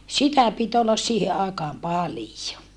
sitä piti olla siihen aikaan paljon